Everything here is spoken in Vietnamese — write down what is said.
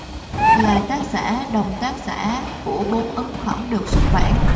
là tác giả đồng tác giả của bốn ấn phẩm được xuất bản